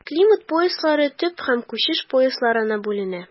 Климат пояслары төп һәм күчеш поясларына бүленә.